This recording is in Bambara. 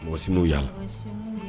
Mɔgɔ sinw yan